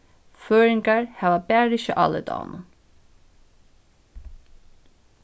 føroyingar hava bara ikki álit á honum